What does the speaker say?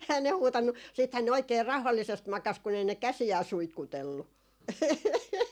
eihän ne huutanut sittenhän ne oikein rauhallisesti makasi kun ei ne käsiään suitkutellut